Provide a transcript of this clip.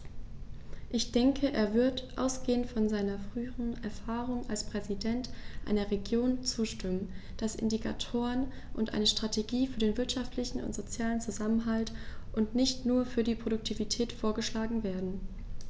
Ich denke, er wird, ausgehend von seiner früheren Erfahrung als Präsident einer Region, zustimmen, dass Indikatoren und eine Strategie für den wirtschaftlichen und sozialen Zusammenhalt und nicht nur für die Produktivität vorgeschlagen werden.